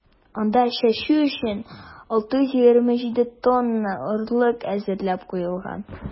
Анда чәчү өчен 627 тонна орлык әзерләп куелган.